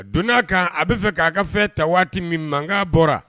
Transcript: A donna'a kan a bɛa fɛ k'a ka fɛ ta waati min mankan bɔra